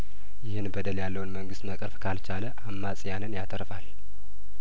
ይህን በደል ያለውን መንግስት መቅረፍ ካልቻለ አማጺያንን ያተርፋል